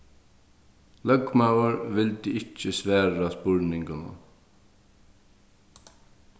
løgmaður vildi ikki svara spurningunum